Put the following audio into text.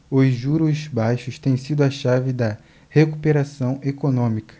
os juros baixos têm sido a chave da recuperação econômica